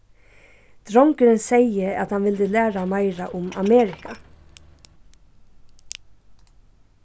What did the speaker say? drongurin segði at hann vildi læra meira um amerika